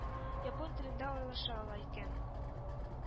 Япон телендә аралаша ала икән